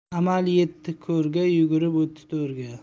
amal yetdi ko'rga yugurib o'tdi to'rga